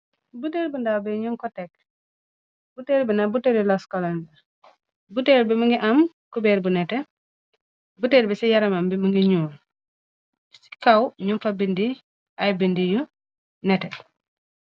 Buteer bu ndaw bi ñu ko tekk buteer bi na buteri laskolonder buteer bi ma ngi am kubeer bu nete buteer bi ci yaramam bi më ngi ñuul ci kaw ñu fa bindi ay bindi yu nete.